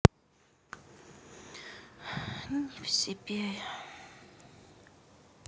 не в себе